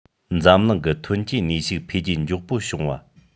འཛམ གླིང གི ཐོན སྐྱེད ནུས ཤུགས འཕེལ རྒྱས མགྱོགས པོ བྱུང བ